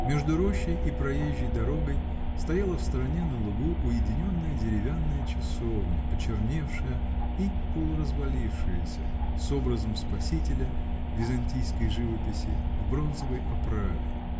Между рощей и проезжей дорогой стояла в стороне, на лугу, уединенная деревянная часовня, почерневшая и полуразвалившаяся, с образом Спасителя, византийской живописи, в бронзовой оправе.